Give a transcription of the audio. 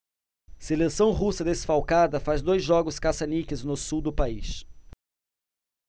seleção russa desfalcada faz dois jogos caça-níqueis no sul do país